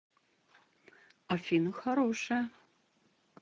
афина хорошая